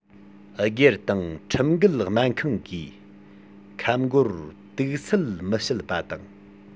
སྒེར དང ཁྲིམས འགལ སྨན ཁང གིས ཁབ མགོར དུག སེལ མི བྱེད པ དང